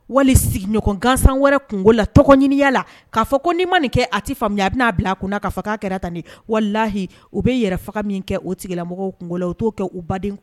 Wali sigiɲɔgɔn gansan wɛrɛ kun la tɔgɔ ɲiniya la k'a fɔ ko n ni ma nin kɛ a tɛ faamuyaya a bɛna n'a bila kunna ka faga kɛra kan di walihi u bɛ yɛrɛ faga min kɛ o tigilamɔgɔ la u'o kɛ u baden